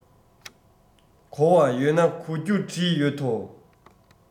གོ བ ཡོད ན གོ རྒྱུ བྲིས ཡོད དོ